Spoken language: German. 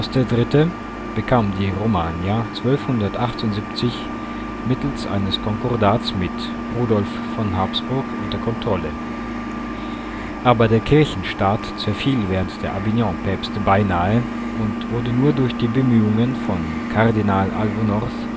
III. bekam die Romagna 1278 mittels eines Konkordats mit Rudolf von Habsburg unter Kontrolle, aber der Kirchenstaat zerfiel während der Avignon-Päpste beinahe und wurde nur durch die Bemühungen von Kardinal Albornoz